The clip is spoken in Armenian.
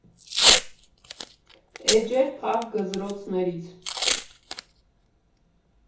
Էջեր փակ գզրոցներից։